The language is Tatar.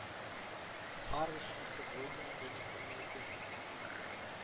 Харро Шульце Бойзен) донесениесен,